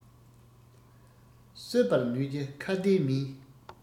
གསོད པར ནུས ཀྱི ཁྭ ཏས མིན